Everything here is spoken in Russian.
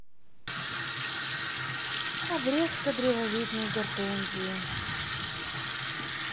обрезка древовидной гортензии